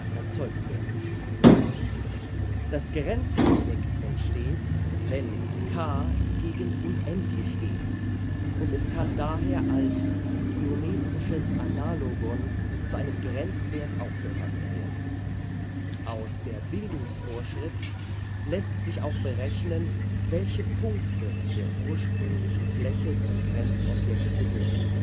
erzeugt werden. Das Grenzobjekt entsteht, wenn k {\ displaystyle k} gegen unendlich geht, und es kann daher als „ geometrisches Analogon “zu einem Grenzwert aufgefasst werden. Aus der Bildungsvorschrift lässt sich auch berechnen, welche Punkte der ursprünglichen Fläche zum Grenzobjekt gehören